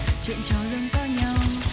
chuyện trò luôn có nhau